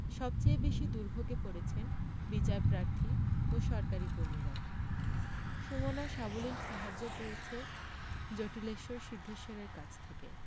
সব চেয়ে বেশি দুর্ভোগে পড়েছেন বিচারপ্রার্থী ও সরকারী কর্মীরা সুমনা সাবলীল সাহায্য পেয়েছে জটিলেশ্বর সিদ্ধেশ্বরের কাছ থেকে